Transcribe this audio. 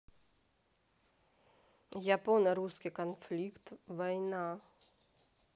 японо русский конфликт война